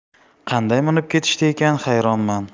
qanday minib ketishdi ekan hayronman